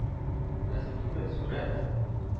— рәсем түгел. сурәт.